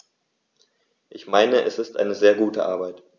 Ich meine, es ist eine sehr gute Arbeit.